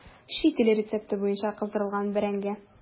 Чит ил рецепты буенча кыздырылган бәрәңге.